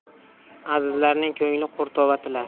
azizlarning ko'ngli qurtova tilar